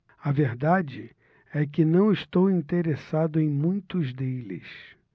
a verdade é que não estou interessado em muitos deles